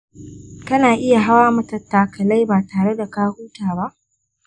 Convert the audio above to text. kana iya hawa matattakalai ba tare da ka huta ba?